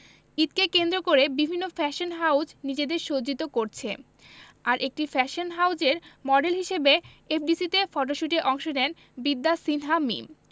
ঈদকে কেন্দ্র করে বিভিন্ন ফ্যাশন হাউজ নিজেদের সজ্জিত করছে আর একটি ফ্যাশন হাউজের মডেল হিসেবে এফডিসি তে ফটোশ্যুটে অংশ নেন বিদ্যা সিনহা মীম